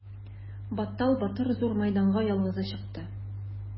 Баттал батыр зур мәйданга ялгызы чыкты.